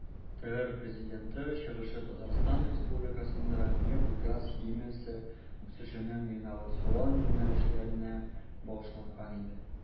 ТР Президенты чыгышы Татарстан Республикасында нефть-газ химиясе үсешенең инновацион юнәлешләренә багышланган иде.